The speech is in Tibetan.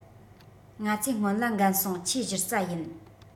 ང ཚོས སྔོན ལ འགན སྲུང ཆེས གཞི རྩ ཡིན